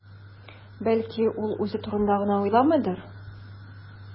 Бәлки, ул үзе турында гына уйламыйдыр?